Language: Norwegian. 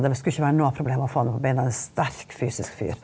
det skulle ikke være noe problem å få han opp på beina, sterk fysisk fyr.